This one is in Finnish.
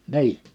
niin